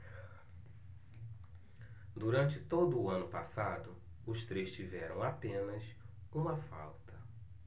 durante todo o ano passado os três tiveram apenas uma falta